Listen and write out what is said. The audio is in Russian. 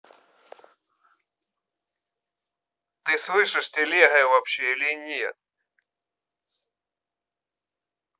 ты слышишь телегой вообще или нет